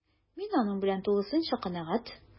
Мин аның белән тулысынча канәгать: